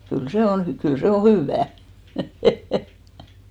kyllä se on - kyllä se on hyvää